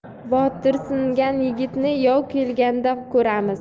botirsingan yigitni yov kelganda ko'ramiz